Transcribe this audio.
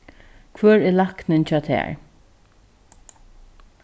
hvør er læknin hjá tær